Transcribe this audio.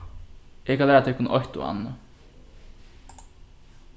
eg kann læra tykkum eitt og annað